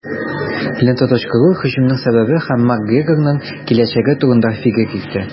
"лента.ру" һөҗүмнең сәбәбе һәм макгрегорның киләчәге турында фикер йөртә.